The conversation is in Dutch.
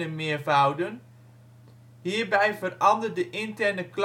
meervouden. Hierbij verandert de interne klankstructuur